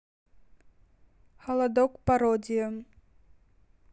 холодок пародия